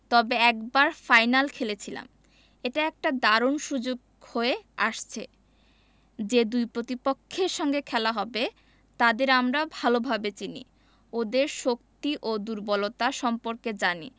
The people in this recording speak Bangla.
তবে একবার ফাইনাল খেলেছিলাম এটা একটা দারুণ সুযোগ হয়ে আসছে যে দুই প্রতিপক্ষের সঙ্গে খেলা হবে তাদের আমরা ভালোভাবে চিনি ওদের শক্তি ও দুর্বলতা সম্পর্কে জানি